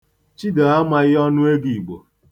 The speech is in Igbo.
Chidoo amaghị ọnụego Igbo.